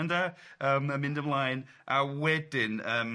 ...ynde yym yn mynd ymlaen a wedyn yym